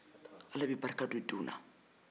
ala bɛ barika don denw na